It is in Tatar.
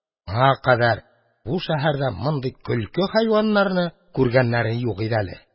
Моңа кадәр бу шәһәрдә мондый көлке хайваннарны күргәннәре юк иде әле.